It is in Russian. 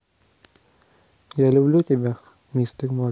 я люблю тебя мистер моррис